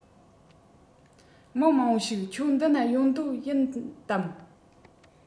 མི མང པོ ཞིག ཁྱོད འདི ན ཡོང འདོད ཡིན དམ